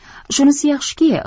shunisi yaxshiki